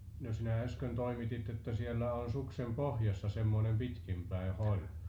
no sinä äsken toimitit että siellä oli suksen pohjassa semmoinen pitkinpäin holi